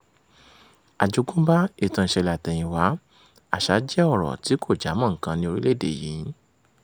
Àjogúnbá , ìtàn-ìṣẹ̀lẹ̀-àtẹ̀yìnwá, àṣá jẹ́ ọ̀rọ̀ tí kò já mọ́ nǹkan ní orílẹ̀-èdè yìí!